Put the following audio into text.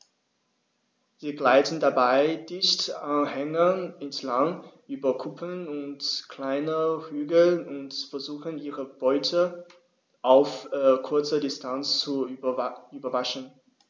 Sie gleiten dabei dicht an Hängen entlang, über Kuppen und kleine Hügel und versuchen ihre Beute auf kurze Distanz zu überraschen.